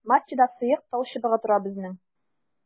Матчада сыек талчыбыгы тора безнең.